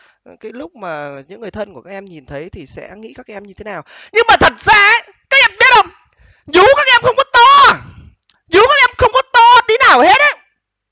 cái lúc mà những người thân của các em nhìn thấy thì sẽ nghĩ các em như thế nào nhưng mà thật ra các em biết không dú các em không có to dú các em không có to tí nào hết